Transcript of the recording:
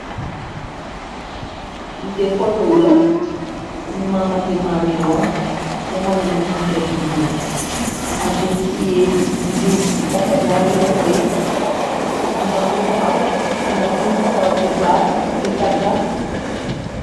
lidee fotog la suñu maamati maami woon jamona ñoom kunta kintey amna kuñ ciyee ñu ngi takka ñaari loxo yi amna ku taxaw amna kuñ takaw ci baat ak ci tanka